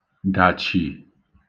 dàchì